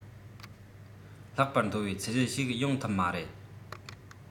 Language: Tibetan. ལྷག པར མཐོ བའི ཚད གཞི ཞིག ཡོང ཐུབ མ རེད